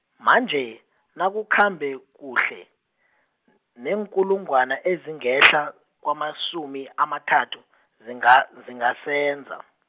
manje nakukhambe kuhle, n- neenkulungwana ezingehla kwamasumi amathathu zinga- zingasenza.